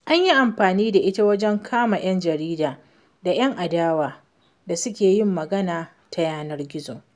An yi amfani da ita wajen kama 'yan jarida da 'yan adawa da suka yin magana a yanar gizo.